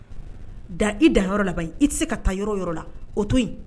I dan yɔrɔ laban i tɛ se ka taa yɔrɔ yɔrɔ la o to